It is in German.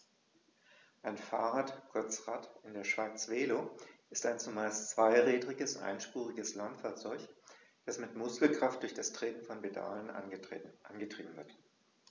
Ein Fahrrad, kurz Rad, in der Schweiz Velo, ist ein zumeist zweirädriges einspuriges Landfahrzeug, das mit Muskelkraft durch das Treten von Pedalen angetrieben wird.